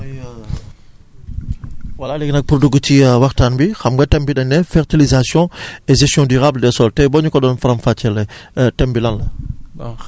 mooy voilà léegi nag pour dugg ci waxtaan bi xam nga thème bi dañ ne fertilisation et gestion durable des sols tey boo ñu ko doon faram facceel thème bi lan la